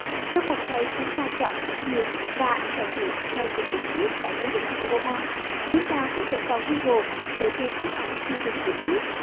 trong mục này chúng ta chọn ảnh bìa và ảnh đại diện theo đúng kích thước đã quy định của oa chúng ta có thể vào google để tìm các ảnh theo đúng kích thước